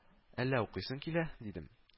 Әллә укыйсың килә? — дидем